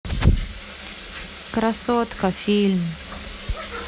красотка фильм